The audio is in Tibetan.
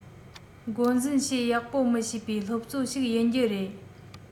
འགོ འཛིན བྱས ཡག པོ མི བྱེད པའི སློབ གཙོ ཞིག ཡིན རྒྱུ རེད